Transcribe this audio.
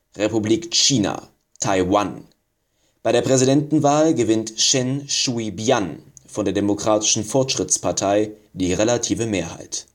Republik China (Taiwan): bei der Präsidentenwahl gewinnt Chen Shui-bian von der Demokratischen Fortschrittspartei die relative Mehrheit